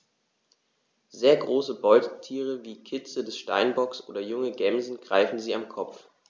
Sehr große Beutetiere wie Kitze des Steinbocks oder junge Gämsen greifen sie am Kopf.